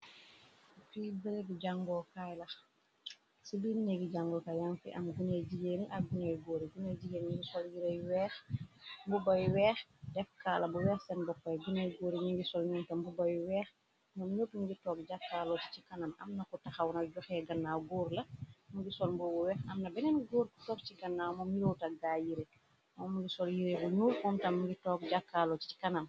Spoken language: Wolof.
Fi mberebi gi jango kayamfe am guñey jiyeen ak guñay góore guñe jiyeen igimbubbay weex def kaala bu weex seen boppay guney góore ñi ngi sol nenta mbubbayu weex nam ñepp ngi toog jàkkaaloo ci ci kanam amna ko taxawna joxee gannaaw góor la mu ngi sol mboobu weex amna beneen góor tog ci kannaaw mo miroo taggaay yire mamu ngi sol yiree wu ñuul untam ngi toog jàkkaaloo ci ci kanam.